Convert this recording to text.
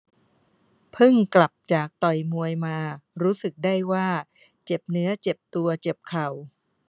พึ่งกลับจากต่อยมวยมารู้สึกได้ว่าเจ็บเนื้อเจ็บตัวเจ็บเข่า